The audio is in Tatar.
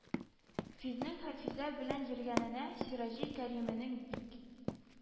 Физның хафизә белән йөргәненә сираҗи кәрименең бик